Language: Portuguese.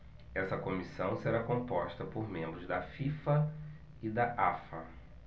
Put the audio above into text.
essa comissão será composta por membros da fifa e da afa